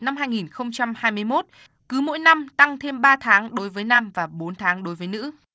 năm hai nghìn không trăm hai mươi mốt cứ mỗi năm tăng thêm ba tháng đối với nam và bốn tháng đối với nữ